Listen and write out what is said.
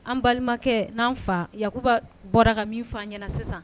An balimakɛ n'an fa Yakuba bɔra ka min fɔ an ɲana sisan